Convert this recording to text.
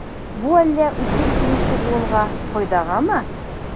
Бу әллә үсеп килүче буынга файдагамы?